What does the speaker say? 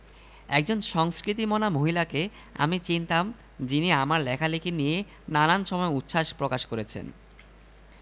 শিশুরা বড়দের প্রতি আক্রোশ বসত কিছু কিছু পরিস্থিতির সৃষ্টি করে এর পেছনে শিশুসুলভ সার ফারন বলে কিছু নেই জনৈক ভদ্রমহিলা খুব দুঃখ করে একটা ঘটনা বললেন